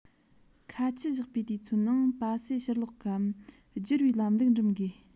ཁ ཆད བཞག པའི དུས ཚོད ནང པ སེ ཕྱིར སློག གམ སྒྱུར བའི འགྲོ ལུགས འགྲིམ དགོས